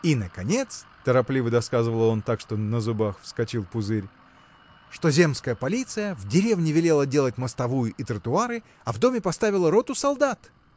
— И наконец, — торопливо досказывал он, так что на зубах вскочил пузырь, — что земская полиция в деревне велела делать мостовую и тротуары, а в доме поставили роту солдат.